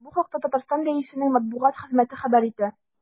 Бу хакта Татарстан Рәисенең матбугат хезмәте хәбәр итә.